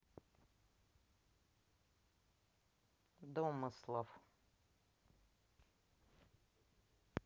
домыслов